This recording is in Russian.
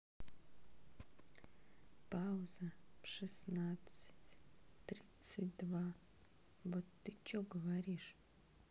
пауза в шестнадцать тридцать два вот ты че говоришь